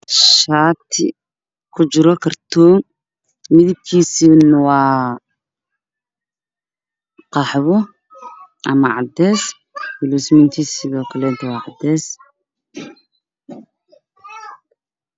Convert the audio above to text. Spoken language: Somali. Shaati ku jiro kartoon midab kiisuna waa qaxwo ama cadys ku leetigiisuna waa cadays